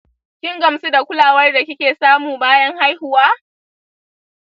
kin gamsu da kulawar da kike samu bayan haihuwa?